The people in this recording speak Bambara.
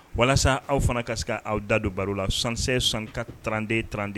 Walasa aw fana ka se ka aw da don baro la 76 64 32 32